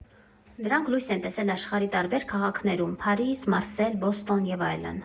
Դրանք լույս են տեսել աշխարհի տարբեր քաղաքներում՝ Փարիզ, Մարսել, Բոստոն և այլն։